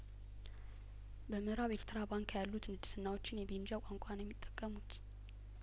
በምእራብ ኤርትራ ባርካ ያሉትንድስናዎችን የቤንጃ ቋንቋ ነው የሚጠቀሙት